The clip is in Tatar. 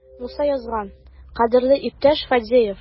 Муса язган: "Кадерле иптәш Фадеев!"